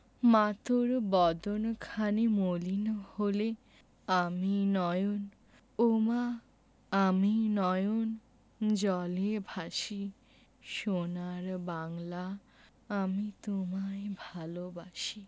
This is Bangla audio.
মা তোর বদন খানি মলিন হলে ওমা আমি নয়ন ওমা আমি নয়ন জলে ভাসি সোনার বাংলা আমি তোমায় ভালবাসি